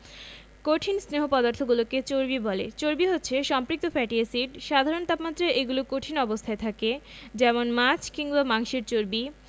কঠিন স্নেহ পদার্থগুলোকে চর্বি বলে চর্বি হচ্ছে সম্পৃক্ত ফ্যাটি এসিড সাধারণ তাপমাত্রায় এগুলো কঠিন অবস্থায় থাকে যেমন মাছ কিংবা মাংসের চর্বি